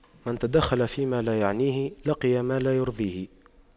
من تَدَخَّلَ فيما لا يعنيه لقي ما لا يرضيه